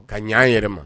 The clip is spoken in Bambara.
Ka ɲ yɛrɛ ma